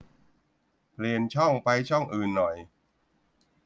เปลี่ยนช่องไปช่องอื่นหน่อย